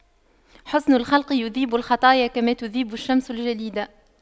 حُسْنُ الخلق يذيب الخطايا كما تذيب الشمس الجليد